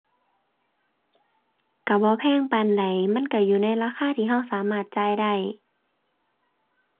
ก็บ่แพงปานใด มันก็อยู่ในราคาที่ก็สามารถจ่ายได้